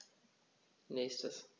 Nächstes.